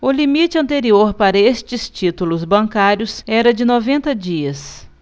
o limite anterior para estes títulos bancários era de noventa dias